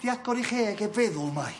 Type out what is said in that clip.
di agor i cheg heb feddwl mai.